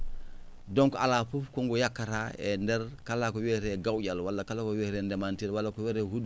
donc alaa fof ko ngu yakkataa e ndeer kala ko wiyetee gawƴal walla kala ko wiyetee ndementeeri walla ko wiyetee huɗo